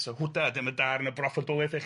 So, hwda, dyma darn y broffwyddoedd i chdi.